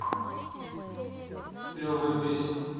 клевые песни